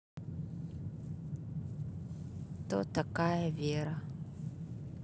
кто такая вера